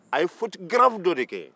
a ye fili gɛlɛn dɔ de kɛ